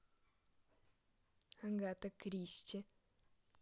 агата кристи